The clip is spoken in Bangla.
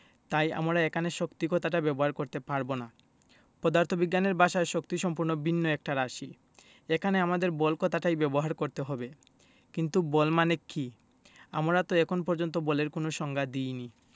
তাই আমরা এখানে শক্তি কথাটা ব্যবহার করতে পারব না পদার্থবিজ্ঞানের ভাষায় শক্তি সম্পূর্ণ ভিন্ন একটা রাশি এখানে আমাদের বল কথাটাই ব্যবহার করতে হবে কিন্তু বল মানে কী আমরা তো এখন পর্যন্ত বলের কোনো সংজ্ঞা দিইনি